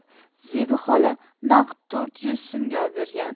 zebi xola naqd to'rt yuz so'mga obergan